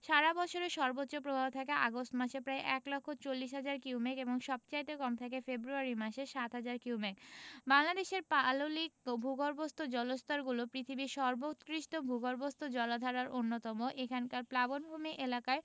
সারা বৎসরের সর্বোচ্চ প্রবাহ থাকে আগস্ট মাসে প্রায় এক লক্ষ চল্লিশ হাজার কিউমেক এবং সবচাইতে কম থাকে ফেব্রুয়ারি মাসে ৭হাজার কিউমেক বাংলাদেশের পাললিক ভূগর্ভস্থ জলস্তরগুলো পৃথিবীর সর্বোৎকৃষ্টভূগর্ভস্থ জলাধারগুলোর অন্যতম এখানকার প্লাবনভূমি এলাকায়